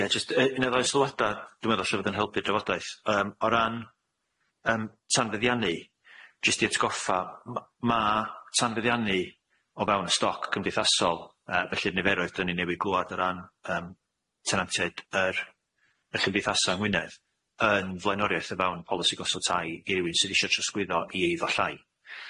Ie jyst yy un o ddau sylwada dwi meddwl sydd yn helpu'r drafodaeth, yym o ran yym tanfyddiannu jyst i atgoffa m- ma' tanfyddiannu o fewn y stoc cymdeithasol yy felly'r niferoedd dyn ni newydd glwad o ran yym tenantiaid yr y chymdeithasa yng Ngwynedd yn flaenoriaeth o fewn polisi gosod tai i rywun sydd isio trosglwyddo i eiddo llai.